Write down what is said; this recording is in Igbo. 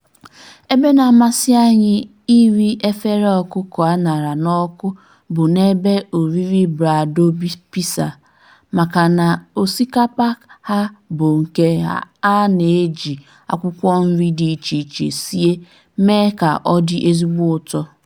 Ebe na-amasị anyị iri efere ọkụkọ aṅara n'ọkụ bụ n'ebe oriri Brador Pizza, maka na osikapa ha bụ nke a na-eji akwụkwọ nri dị iche iche sie mee ka ọ dị ezigbo ụtọ.